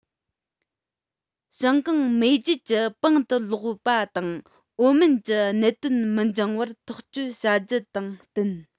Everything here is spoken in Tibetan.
ཞང ཀང མེས རྒྱལ གྱི པང དུ ལོག པ དང ཨའོ མོན གྱི གནད དོན མི འགྱངས པར ཐག གཅོད བྱ རྒྱུ དང བསྟུན